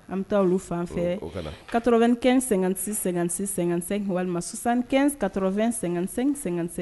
An bɛ taa olu fan 95 56 56 55 walima 75 80 55 55